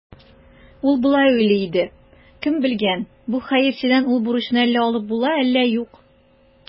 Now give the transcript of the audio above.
Ул болай уйлый иде: «Кем белгән, бу хәерчедән ул бурычны әллә алып була, әллә юк".